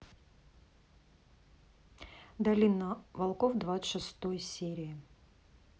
долина волков двадцать шестой серия